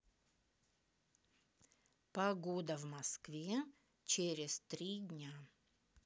погода в москве через три дня